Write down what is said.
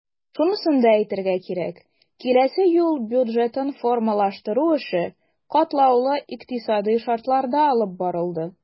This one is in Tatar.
Шунысын да әйтергә кирәк, киләсе ел бюджетын формалаштыру эше катлаулы икътисадый шартларда алып барылды.